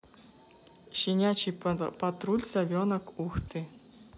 щенячий патруль совенок ух ты